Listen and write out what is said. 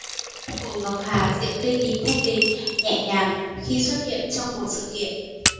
hồ ngọc hà diện cây tím thanh lịch nhẹ nhàng khi xuất hiện trong một sự kiện